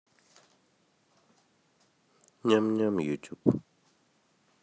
ням ням ютуб